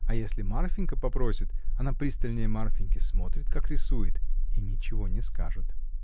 а если Марфинька попросит, она пристальнее Марфиньки смотрит, как рисуют, и ничего не скажет.